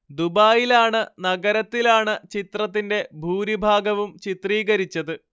ദുബായിലാണ് നഗരത്തിലാണ് ചിത്രത്തിന്റെ ഭൂരിഭാഗവും ചിത്രീകരിച്ചത്